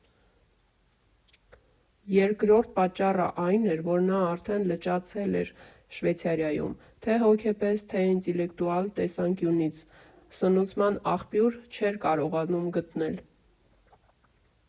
Երկրորդ պատճառը այն էր, որ նա արդեն լճացել էր Շվեյցարիայիում, թե՛ հոգեպես, թե՛ ինտելեկտուալ տեսանկյունից սնուցման աղբյուր չէր կարողանում գտնել։